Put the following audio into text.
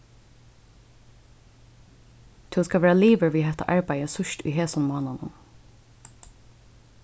tú skalt verða liðugur við hetta arbeiðið síðst í hesum mánaðinum